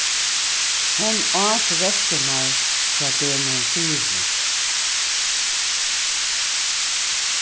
hon át restirnar frá degnum fyri